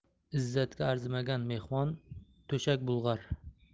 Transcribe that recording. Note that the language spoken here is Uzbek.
izzatga arzimagan mehmon to'shak bulg'ar